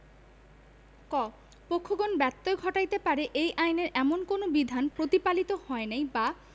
ক পক্ষগণ ব্যত্যয় ঘটাইতে পারে এই আইনের এমন কোন বিধান প্রতিপালিত হয় নাই বা